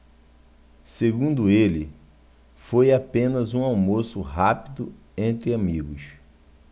segundo ele foi apenas um almoço rápido entre amigos